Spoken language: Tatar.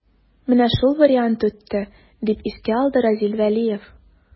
Менә шул вариант үтте, дип искә алды Разил Вәлиев.